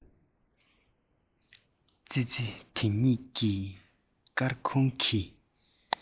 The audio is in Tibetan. ཙི ཙི དེ གཉིས ཀྱིས སྐར ཁུང གི